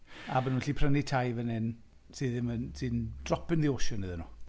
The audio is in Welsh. A byddan nhw'n gallu prynu tai fan hyn, sydd ddim yn- sydd yn drop in the oceon iddyn nhw.